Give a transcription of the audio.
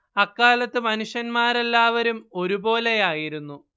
അക്കാലത്ത് മനുഷ്യൻന്മാല്ലാവരും ഒരുപോലെയായിരുന്നു